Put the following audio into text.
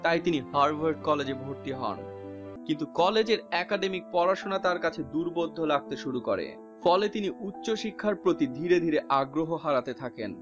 তাই তিনি হারভার্ড কলেজে ভর্তি হয় কিন্তু কলেজের একাডেমিক পড়াশোনা তার কাছে দুর্বোধ্য লাগতে শুরু করে ফলে তিনি প্রতি ধীরে ধীরে আগ্রহ হারাতে থাকেন